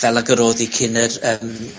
fel ag yr odd 'i cyn yr yym...